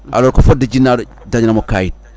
alors fodde jinnaɗo dañanamo kayit